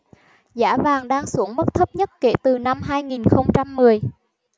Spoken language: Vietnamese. giá vàng đang xuống mức thấp nhất kể từ năm hai nghìn không trăm mười